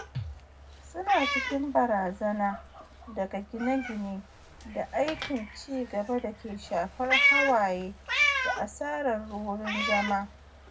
Su na cikin barazana daga gine-gine da aikin ci gaba da ke shafar hawaye da asarar wurin zama.